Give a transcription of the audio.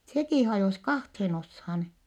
sekin hajosi kahteen osaan